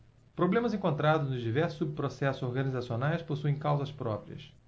problemas encontrados nos diversos subprocessos organizacionais possuem causas próprias